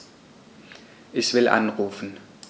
Ich will anrufen.